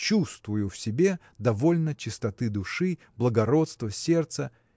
чувствую в себе довольно чистоты души, благородства сердца.